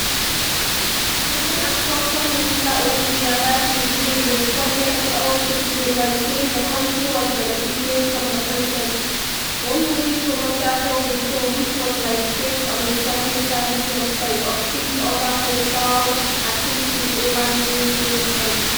Even as Culture Minister Olivia "Babsy" Grange responded to early criticism by saying the country was benefitting from the concert, one music promoter felt the show, which was livestreamed on the Sunday Service website, "upstaged" other cultural activities over Heroes Day weekend.